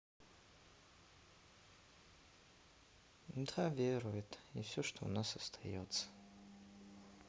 да верует и все что у нас остается